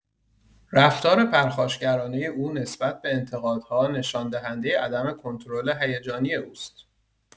رفتار پرخاشگرانۀ او نسبت به انتقادها نشان‌دهنده عدم کنترل هیجانی اوست.